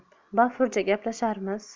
bafurja gaplashamiz